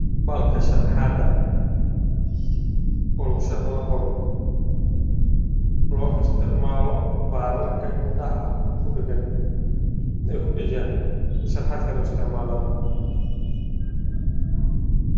Bahal ka lagu sharax wax walba